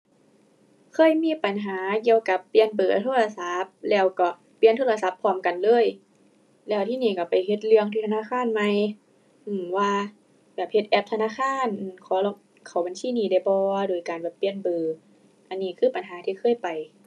เคยมีปัญหาเกี่ยวกับเปลี่ยนเบอร์โทรศัพท์ แล้วก็เปลี่ยนโทรศัพท์พร้อมกันเลย แล้วที่นี้ก็ไปเฮ็ดเรื่องที่ธนาคารใหม่ อือ ว่าแบบเฮ็ดแอปธนาคาร ขอล็อกเข้าบัญชีนี้ได้บ่ โดยการแบบเปลี่ยนเบอร์ อันนี้คือปัญหาที่เคยไป